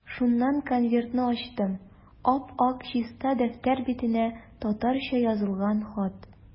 Шуннан конвертны ачтым, ап-ак чиста дәфтәр битенә татарча язылган хат.